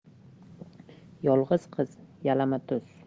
yolg'iz qiz yalama tuz